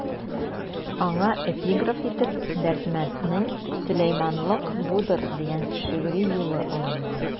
Аңа эпиграф итеп Дәрдмәнднең «Сөләйманлык будыр» дигән шигъри юлы алынган.